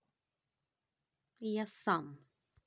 я сам